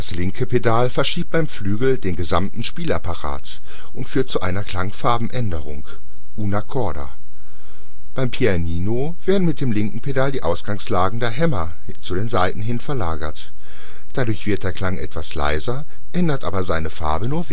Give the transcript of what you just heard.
linke Pedal verschiebt beim Flügel den gesamten Spielapparat und führt zu einer Klangfarbenänderung (una corda). Beim Pianino werden mit dem linken Pedal die Ausgangslagen der Hämmer zu den Saiten hin verlagert. Dadurch wird der Klang etwas leiser, ändert aber seine Farbe nur